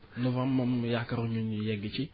novembre moom yaakaaruñu ñu yegg ci